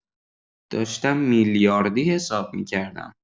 داشتم میلیاردی حساب می‌کردم